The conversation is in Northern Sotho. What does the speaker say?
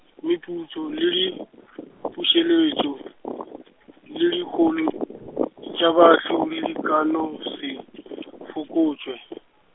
meputso le dipuseletšo, le dikholo, tša baahlodi di ka no se, fokotšwe.